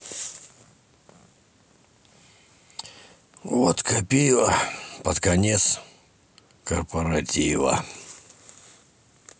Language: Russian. водка пиво под конец корпоратива